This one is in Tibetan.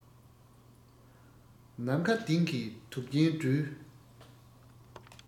ནམ མཁའ ལྡིང གིས དུག ཅན སྦྲུལ